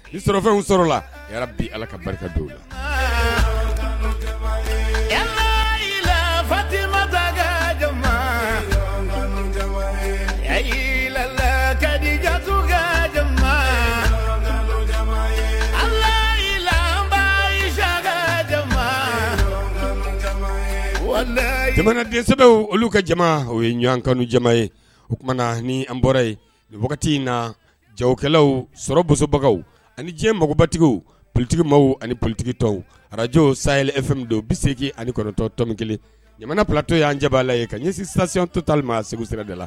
Ni sɔrɔfɛnw sɔrɔla la bi ala ka barika dɔw lati ka ka jamanadensedaw olu ka jama o ye ɲɔgɔn kanu jama ye o tumaumana ni an bɔra yen wagati in na jakɛlaw sɔrɔ bobagaw ani diɲɛ magobatigiw ptigibaw ani ptigi tɔw arajow say efme don biseegin ani ni kɔrɔtɔ tom kelen jamana patɔ y'an ja la ye ka ɲɛ sisansi tɔ tali ma a segu sirada la